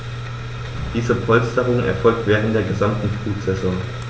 Diese Polsterung erfolgt während der gesamten Brutsaison.